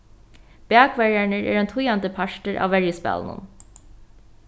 bakverjarnir eru ein týðandi partur av verjuspælinum